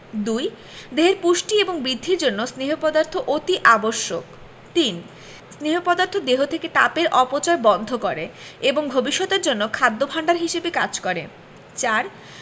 ২. দেহের পুষ্টি এবং বৃদ্ধির জন্য স্নেহ পদার্থ অতি আবশ্যক ৩. স্নেহ পদার্থ দেহ থেকে তাপের অপচয় বন্ধ করে এবং ভবিষ্যতের জন্য খাদ্য ভাণ্ডার হিসেবে কাজ করে ৪.